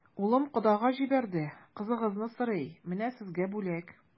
Улым кодага җибәрде, кызыгызны сорый, менә сезгә бүләк.